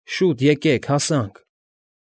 Շուտ եկեք։ Հասանք։